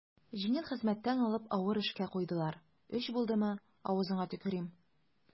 Җиңел хезмәттән алып авыр эшкә куйдылар, өч булдымы, авызыңа төкерим.